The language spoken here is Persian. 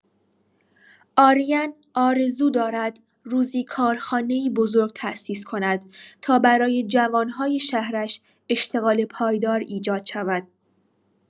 آرین آرزو دارد روزی کارخانه‌ای بزرگ تأسیس کند تا برای جوان‌های شهرش اشتغال پایدار ایجاد شود.